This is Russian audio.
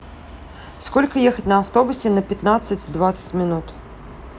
сколько ехать на автобусе на пятнадцать двадцать минут